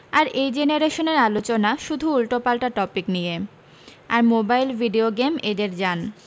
আর এই জেনারেশনের আলোচনা শুধু উল্টোপালটা টপিক নিয়ে আর মোবাইল ভিডিও গেম এদের জান